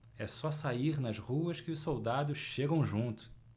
é só sair nas ruas que os soldados chegam junto